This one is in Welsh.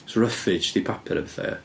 Ruffage 'di papur a pethau ia.